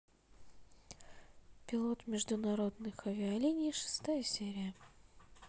пилот международных авиалиний шестая серия